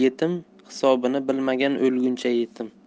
yetim hisobini bilmagan o'lguncha yetim